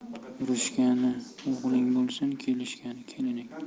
urishgani o'g'ling bo'lsin kelishgani kelining